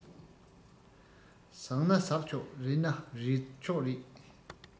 ཟག ན ཟག ཆོག རིལ ན རིལ ཆོག རེད